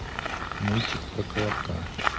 мультик про колобка